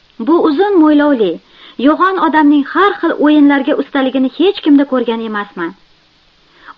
bu uzun mo'ylovli yo'g'on odamning har xil o'yinlarga ustaligini hech kimda ko'rgan emasman